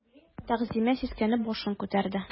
Тәгъзимә сискәнеп башын күтәрде.